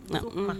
Nka